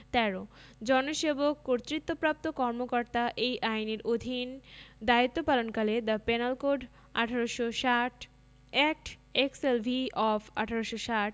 ১৩ জনসেবকঃ কর্তৃত্বপ্রাপ্ত কর্মকর্তা এই আইনের অধীন দায়িত্ব পালনকালে the penal code ১৮৬০ act XLV of ১৮৬০